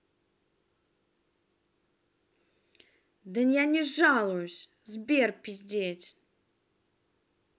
да я не жалуюсь сбер пиздеть